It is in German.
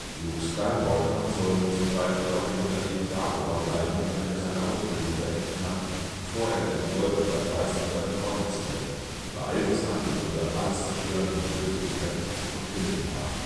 Luke Skywalker soll zum Beispiel auf dem Planeten Dagobah bleiben, damit er seine Ausbildung beenden kann, bevor er in die Wolkenstadt reist, um seine Freunde zu retten. Übereiltes Handeln würde „ alles zerstören, wofür sie gekämpft und gelitten “haben